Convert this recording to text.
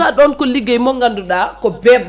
cas ɗon ko ligguey mo ganduɗa ko bebɗo